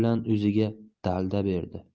bilan o'ziga dalda berdi